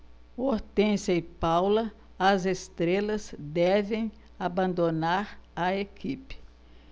hortência e paula as estrelas devem abandonar a equipe